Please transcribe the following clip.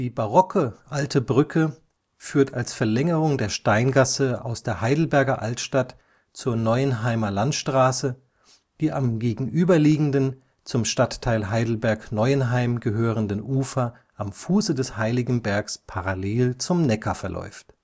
barocke Alte Brücke führt als Verlängerung der Steingasse aus der Heidelberger Altstadt zur Neuenheimer Landstraße, die am gegenüberliegenden, zum Stadtteil Heidelberg-Neuenheim gehörenden Ufer am Fuße des Heiligenbergs parallel zum Neckar verläuft